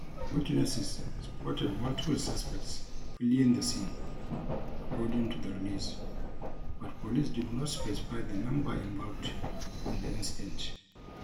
Witnesses spotted multiple suspects fleeing the scene, according to the release, but police did not specify the number involved in the incident.